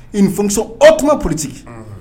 une hautement politique